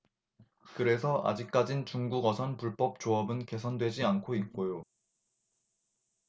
그래서 아직까지 중국어선 불법조업은 개선되지 않고 있고요